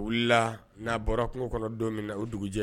A wulila n'a bɔra kungo kɔnɔ don min na o dugujɛ